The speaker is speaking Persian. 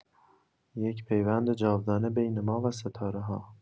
یک پیوند جاودانه بین ما و ستاره‌ها